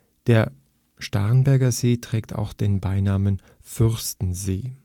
Der Starnberger See trägt auch den Beinamen Fürstensee